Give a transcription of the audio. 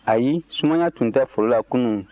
ayi sumaya tun tɛ foro la kunun